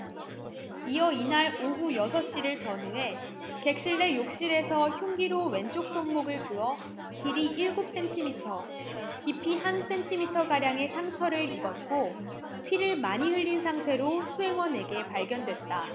이어 이날 오후 여섯 시를 전후해 객실 내 욕실에서 흉기로 왼쪽 손목을 그어 길이 일곱 센티미터 깊이 한 센티미터가량의 상처를 입었고 피를 많이 흘린 상태로 수행원에게 발견됐다